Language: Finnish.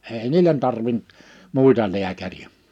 ei niille tarvinnut muita lääkäreitä